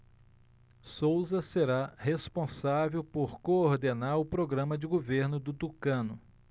souza será responsável por coordenar o programa de governo do tucano